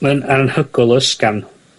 Mae'n anhygoel o ysgafn.